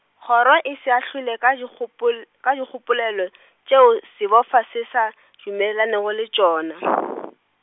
kgoro e se ahlole ka dikgopol-, ka dikgopolelo tšeo sebofša se sa dumelanego le tšona.